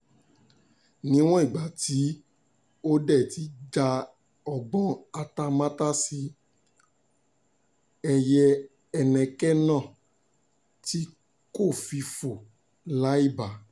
Níwọ̀n ìgbà tí òde ti já ọgbọ́n àtamátàsè, ẹyẹ Eneke náà ti kọ́ fífò láì bà.